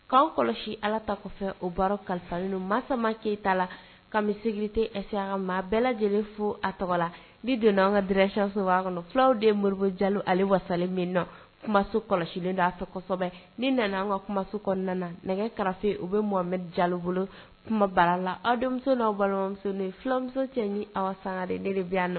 K'aw kɔlɔsi ala ta kɔfɛ o baara kalifa masama keyita la ka se tɛssɛ maa bɛɛ lajɛlen fo a tɔgɔ la ni donna an ka drecso kɔnɔ fulaw de ye mori ja ale wasalen min na kumaso kɔlɔsilen a fɛ kosɛbɛ ni nana an ka kumaso kɔnɔna na nɛgɛ karafe u bɛ mɔgɔmɛ ja bolo kumabara la aw balima filamuso cɛ ni aw sanga ne de bɛ